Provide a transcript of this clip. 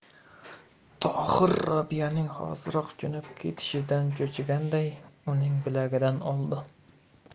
tohir robiyaning hoziroq jo'nab ketishidan cho'chiganday uning bilagidan oldi